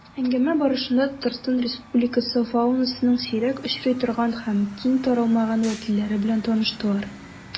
Әңгәмә барышында Татарстан Республикасы фаунасының сирәк очрый торган һәм киң таралмаган вәкилләре белән таныштылар.